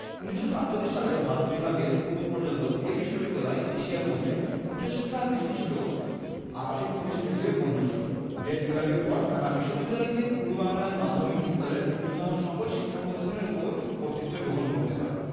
১৯৪৭ সালে ভারত বিভাগের পূর্বপর্যন্ত এ বিশ্ববিদ্যালয় এশিয়ার মধ্যে উচ্চশিক্ষার বিশিষ্ট আবাসিক প্রতিষ্ঠান হিসেবে গণ্য ছিল দেশ বিভাগের পর ঢাকা বিশ্ববিদ্যালয়কে পূর্ববাংলার মাধ্যমিক স্তরের ঊধ্বর্তন সকল শিক্ষা প্রতিষ্ঠানের ওপর কর্তৃত্ব গ্রহণ করতে হয়